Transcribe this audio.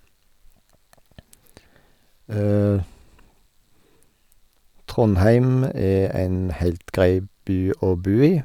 Trondheim er en helt grei by å bo i.